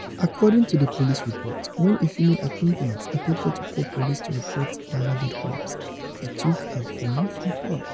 According to the police report, when a female acquaintance attempted to call police to report the alleged crimes, he took her phone from her.